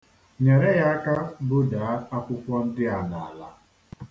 Nyere ya aka budaa akwụkwọ ndịa n'ala.